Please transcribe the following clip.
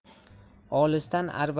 olisdan arbalagandan ko'ra